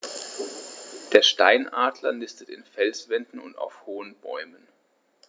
Der Steinadler nistet in Felswänden und auf hohen Bäumen.